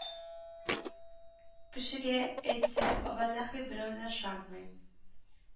Кешегә әйтсәң валлаһи берәү дә ышанмый